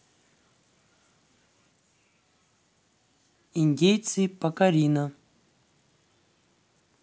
индейцы пакарина